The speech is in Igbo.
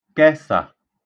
kẹsà